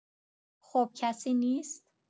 خب کسی نیست